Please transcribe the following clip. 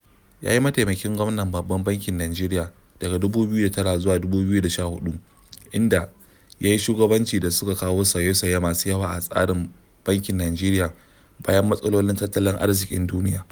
Ya yi mataimakin gwamnan Babban Bankin Najeriya daga 2009 zuwa 2014, inda "ya yi shugabanci da kawo sauye-sauye masu yawa a tsarin bankin Najeriya bayan matsalolin tattalin arziƙin duniya."